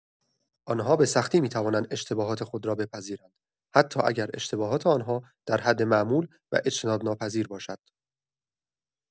آن‌ها به‌سختی می‌توانند اشتباهات خود را بپذیرند، حتی اگر اشتباهات آن‌ها در حد معمول و اجتناب‌ناپذیر باشد.